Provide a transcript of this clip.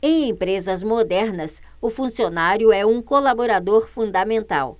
em empresas modernas o funcionário é um colaborador fundamental